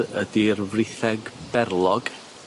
###y- ydi'r fritheg berlog.